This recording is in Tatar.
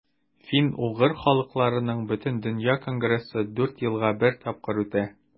Фин-угыр халыкларының Бөтендөнья конгрессы дүрт елга бер тапкыр үтә.